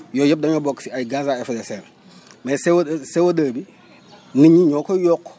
yooyu yëpp dañoo bokk si ay gaz à effet de serre mais CO CO2 bi nit ñi ñoo koy yokk